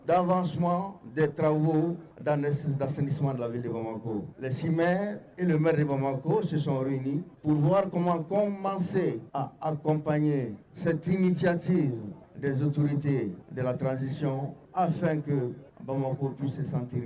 Danfa suma de tarawelewo dantesidani suma lawuli bamakɔ ko simɛ ime de bamakɔ kosisɔnroywakoma kɔnmanse aa awk kɔnpye santigiinincti zurinte latransi aw fɛn kɛ bamakɔ bisisantiri